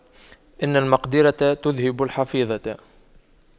إن المقْدِرة تُذْهِبَ الحفيظة